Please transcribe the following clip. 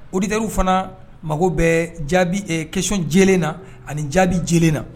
auditeur fana mako bɛ jaabi, ɛ question jɛlen na ani jaabi jɛlen na